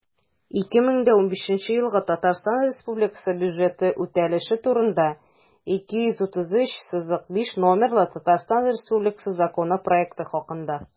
«2015 елгы татарстан республикасы бюджеты үтәлеше турында» 233-5 номерлы татарстан республикасы законы проекты хакында